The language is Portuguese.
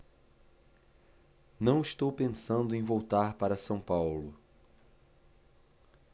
não estou pensando em voltar para o são paulo